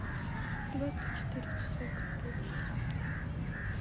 двадцать четыре часа в гробу